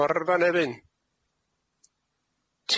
Morfa Nefyn.